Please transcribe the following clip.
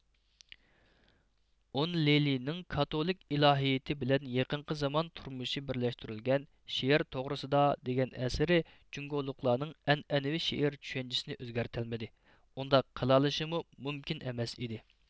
ئون لىلىنىڭ كاتولىك ئىلاھىيىتى بىلەن يېقىنقى زامان تۇرمۇشى بىرلەشتۈرۈلگەن شېئىر توغرىسىدا دېگەن ئەسىرى جۇڭگولۇقلارنىڭ ئەنئەنىۋى شېئىرچۈشەنچىسىنى ئۆزگەرتەلمىدى ئۇنداق قىلالىشىمۇ مۇمكىن ئەمەس ئىدى